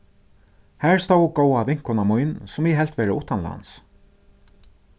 har stóð góða vinkona mín sum eg helt vera uttanlands